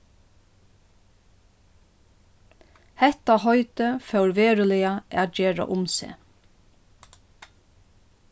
hetta heitið fór veruliga at gera um seg